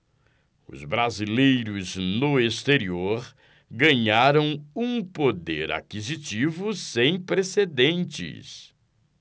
os brasileiros no exterior ganharam um poder aquisitivo sem precedentes